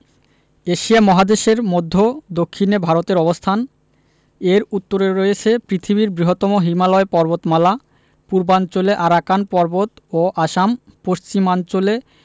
Asia মহাদেশের মদ্ধ্য দক্ষিনে ভারতের অবস্থানএর উত্তরে রয়েছে পৃথিবীর বৃহত্তম হিমালয় পর্বতমালা পূর্বাঞ্চলে আরাকান পর্বত ও আসামপশ্চিমাঞ্চলে